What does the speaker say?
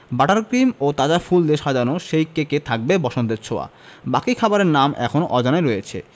butter cream ও তাজা ফুল দিয়ে সাজানো সেই কেকে থাকবে বসন্তের ছোঁয়া বাকি খাবারের নাম এখনো অজানাই রয়েছে